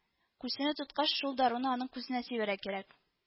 Күсене тоткач, шул даруны аның күзенә сибәргә кирәк